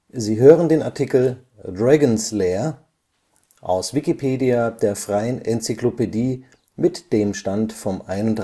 Sie hören den Artikel Dragon’ s Lair, aus Wikipedia, der freien Enzyklopädie. Mit dem Stand vom Der